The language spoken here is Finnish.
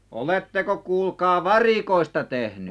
oletteko kuulkaa varikoista tehnyt